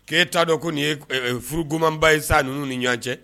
K'e t'a dɔn ko nin ye furukomanba ye sa ninnu ni ɲɔgɔn cɛ